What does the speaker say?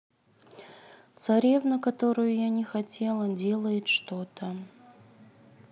царевна которую я не хотела делает что то